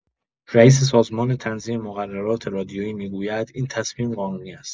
رئیس سازمان تنظیم مقررات رادیویی می‌گوید: این تصمیم قانونی است.